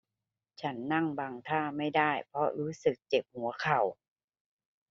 ฉันนั่งบางท่าไม่ได้เพราะรู้สึกเจ็บหัวเข่า